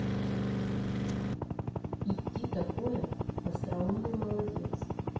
идти такое остроумный молодец